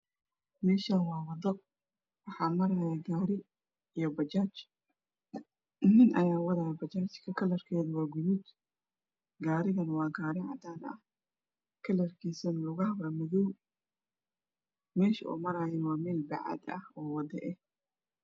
Meshan waa wado waxaa marayo gari iyo Bajaj nin aya wado Bajajka kalar kedo waa gadud garigan waa cadan mesh oow marayo waa mel bacad ah